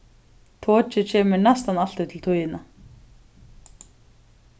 tokið kemur næstan altíð til tíðina